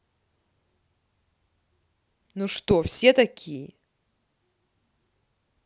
ну что все такие